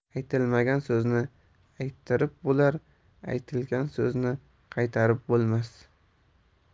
aytilmagan so'zni ayttirib bo'lar aytilgan so'zni qaytarib bo'lmas